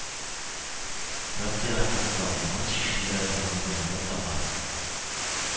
Рациягә кертер алдыннан чишендерә торган бүлмәгә таба